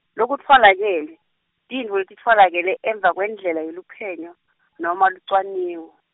Lokutfolakele, tintfo letitfolakele emva kwendlela yeluphenyo, noma lucwaningo.